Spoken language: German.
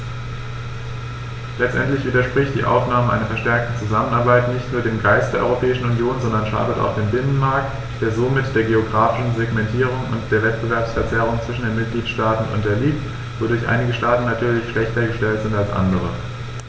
Letztendlich widerspricht die Aufnahme einer verstärkten Zusammenarbeit nicht nur dem Geist der Europäischen Union, sondern schadet auch dem Binnenmarkt, der somit der geographischen Segmentierung und der Wettbewerbsverzerrung zwischen den Mitgliedstaaten unterliegt, wodurch einige Staaten natürlich schlechter gestellt sind als andere.